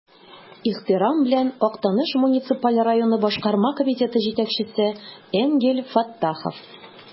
Ихтирам белән, Актаныш муниципаль районы Башкарма комитеты җитәкчесе Энгель Фәттахов.